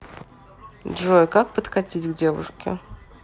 джой как подкатить к девушке